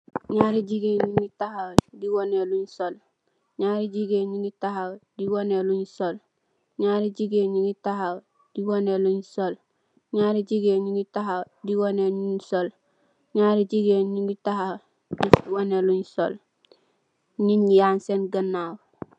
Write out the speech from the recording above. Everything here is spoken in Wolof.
Naari jigeen nyugi taxaw di woneh lun sol naari jigeen nyugi taxaw di woneh lun sol naari jigeen nyugi taxaw di woneh lun sol naari jigeen nyugi taxaw di woneh lun sol naari jigeen nyugi taxaw di woneh lun sol nit yan sen ganaw.